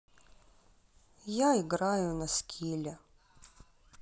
я играю на скиле